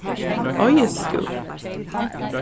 eiðis skúli